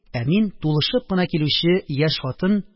Ә мин – тулышып кына килүче яшь хатын,